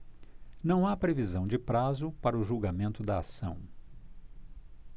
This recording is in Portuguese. não há previsão de prazo para o julgamento da ação